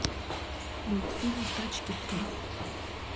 мультфильм тачки три